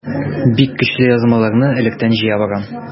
Бик көчле язмаларны электән җыя барам.